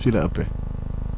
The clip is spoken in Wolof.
fii la ëppee